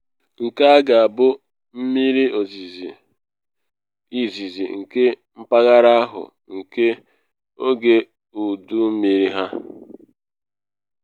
Nke a ga-abụ mmiri ozizi izizi nke mpaghara ahụ nke oge udu mmiri ha.